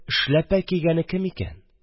Эшләпә кигәне кем икән?